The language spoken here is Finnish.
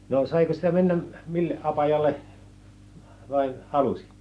no saiko sitä mennä minne apajalle vain halusi